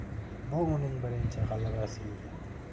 bu uning birinchi g'alabasi edi